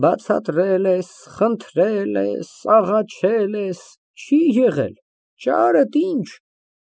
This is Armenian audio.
Բացատրել ես, խնդրել ես, աղաչել ես, չի եղել, ճարդ ինչ։